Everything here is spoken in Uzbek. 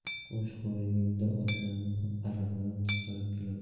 qosh qorayganda otlarni aravadan chiqarib kelardi